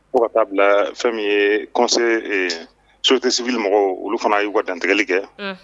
Fo ka taa bila fɛn min ye kɔse soro tɛsibi mɔgɔ olu fana'u ka dantɛtigɛli kɛ